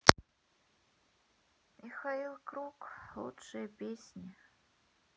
михаил круг лучшие песни